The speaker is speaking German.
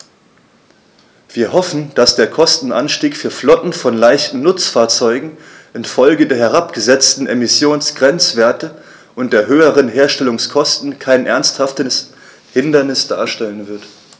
Wir hoffen, dass der Kostenanstieg für Flotten von leichten Nutzfahrzeugen in Folge der herabgesetzten Emissionsgrenzwerte und der höheren Herstellungskosten kein ernsthaftes Hindernis darstellen wird.